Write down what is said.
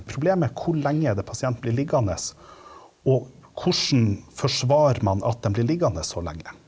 problemet er hvor lenge er det pasienten blir liggende, og hvordan forsvarer man at den blir liggende så lenge?